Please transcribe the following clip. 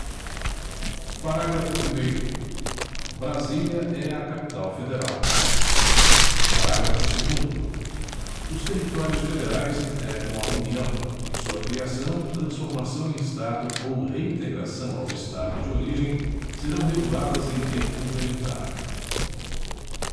parágrafo primeiro brasília é a capital federal parágrafo segundo os territórios federais integram a união e sua criação transformação em estado ou reintegração ao estado de origem serão reguladas em lei complementar